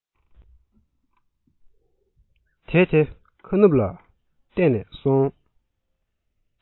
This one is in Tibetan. དེད དེ ཁ ནུབ ལ གཏད ནས སོང